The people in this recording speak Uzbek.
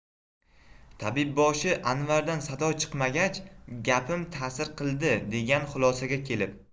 tabibboshi anvardan sado chiqmagach gapim ta'sir qildi degan xulosaga kelib